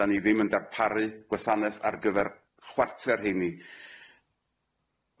'Da ni ddim yn darparu gwasanaeth ar gyfer chwarter heini.